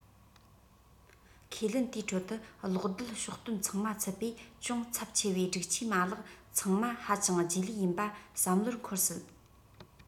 ཁས ལེན དེའི ཁྲོད དུ གློག རྡུལ ཕྱོགས སྟོན ཚང མ ཚུད པའི ཅུང ཚབས ཆེ བའི སྒྲིག ཆས མ ལག ཚང མ ཧ ཅང རྗེས ལུས ཡིན པ བསམ བློར འཁོར སྲིད